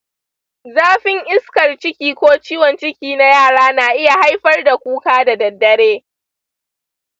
zafin iskar ciki ko ciwon ciki na yara na iya haifar da kuka da dare.